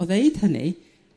O ddeud hynny